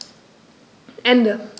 Ende.